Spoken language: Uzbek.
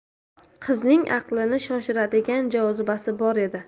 qizning aqlni shoshiradigan jozibasi bor edi